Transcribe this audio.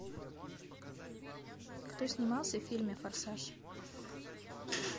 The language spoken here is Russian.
кто снимался в фильме форсаж